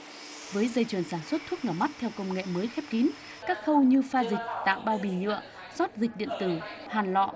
với dây chuyền sản xuất thuốc nhỏ mắt theo công nghệ mới khép kín các khâu như pha dịch tạo bao bì nhựa rót dịch điện tử hàn lọ